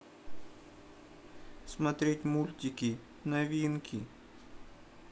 смотреть мультики новинки